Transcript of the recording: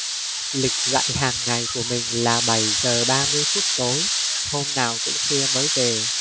lịch dạy hàng ngày của mình là bảy giờ ba mươi phút tối hôm nào cũng khuya mới về